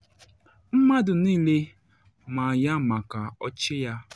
“Mmadụ niile ma ya maka ọchị ya.